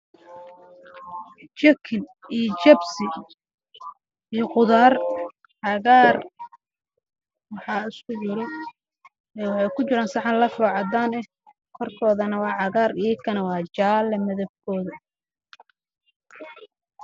Jikin iyo jibsi iyo qudaar isku jiro ayaa waxa ay ku jiraan saxan